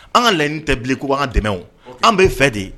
An ka laɲini tɛ bilen ko an ka dɛmɛ wo. An be fɛ de